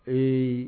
Ɛɛ